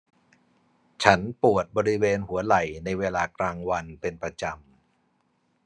ฉันปวดบริเวณหัวไหล่ในเวลากลางวันเป็นประจำ